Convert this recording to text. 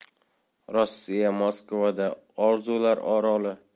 rossiya moskvada orzular oroli